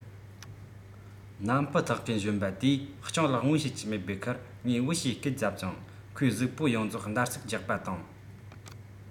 སྣམ སྤུ འཐགས མཁན གཞོན པ དེས སྤྱང ལགས ངོ ཤེས ཀྱི མེད པའི ཁར ངའི བུ ཞེས སྐད རྒྱབ ཙང ཁོའི གཟུགས པོ ཡོངས རྫོགས འདར གསིག རྒྱག པ དང